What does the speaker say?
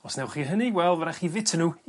os newch chi hynny wel fy rai' chi fita n'w